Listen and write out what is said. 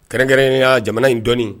Kɛrɛnkɛrɛnya jamana in dɔɔnin